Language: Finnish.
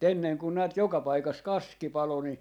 ennen kun näet joka paikassa kaski paloi niin